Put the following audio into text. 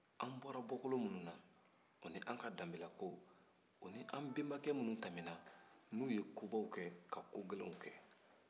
an bɔra bɔkolo minnu na ani an ka danbelakow ani an bɛnba minnu tɛmɛna n'u ye kobaw kɛ